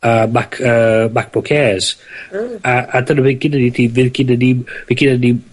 yy Mac yy Macbook Airs. Hmm. A a dyna fe gyd o'n i 'di fydd gennom ni'm by gennom ni'm